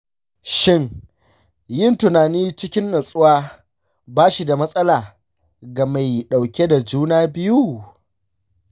shin yin tunani cikin nutsuwa ba shi da matsala ga mai ɗauke da juna biyu?